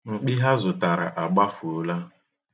Mkpi ha zụtara agbafuola.